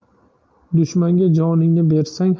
dushmanga joningni bersang